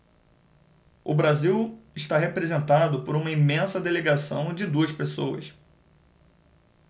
o brasil está representado por uma imensa delegação de duas pessoas